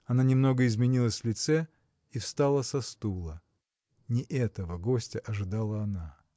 Она немного изменилась в лице и встала со стула. Не этого гостя ожидала она.